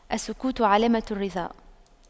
السكوت علامة الرضا